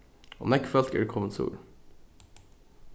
og nógv fólk eru komin suður